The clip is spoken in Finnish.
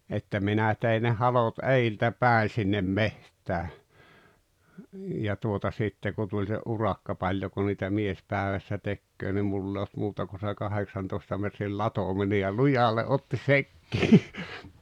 että minä tein ne halot edeltä päin sinne metsään ja tuota sitten kun tuli se urakka paljonko niitä mies päivässä tekee niin minulla ei ollut muuta kuin se kahdeksantoista metrin latominen ja lujalle otti sekin